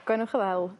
Gwenwch y' ddel.